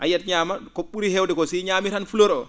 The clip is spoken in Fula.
a yiyat ñaama ko ?uri heewde koo si ñaami tan fleur oo